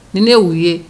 Nin ne' ye